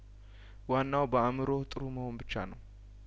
ዋናው በአእምሮህ ጥሩ መሆን ብቻ ነው